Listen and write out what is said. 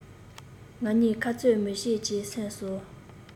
ང གཉིས ཁ རྩོད མི བྱེད ཅེས སེམས གསོ